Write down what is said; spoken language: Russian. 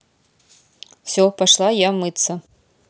все пошла я мыться